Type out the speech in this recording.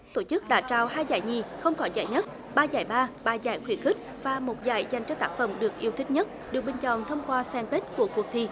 tổ chức đã trao hai giải nhì không có giải nhất ba giải ba ba giải khuyến khích và một giải dành cho tác phẩm được yêu thích nhất được bình chọn thông qua phen bết của cuộc thi